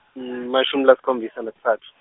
emashumi lasikhombisa nakutsatfu.